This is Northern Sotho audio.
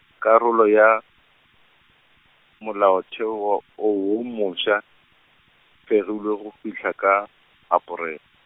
karolo ya, molaotheo w-, o wo moswa, fegile go fihla ka, Aparele.